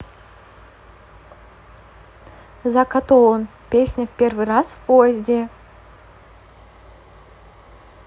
zakatoon песня в первый раз в поезде